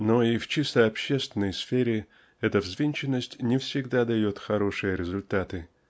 Но и в чисто-общественной сфере эта взвинченность не всегда дает хорошие результаты.